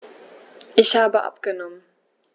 Ich habe abgenommen.